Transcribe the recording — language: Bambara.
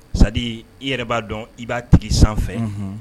Sa i yɛrɛ b'a dɔn i b'a tigi sanfɛ